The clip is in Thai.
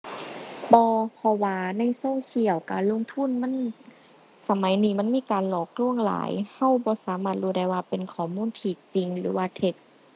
บ่ เพราะว่าในโซเชียลการลงทุนมัน สมัยนี้มันมีการหลอกลวงหลาย เราบ่สามารถรู้ได้ว่าเป็นข้อมูลที่จริงหรือว่าเท็จ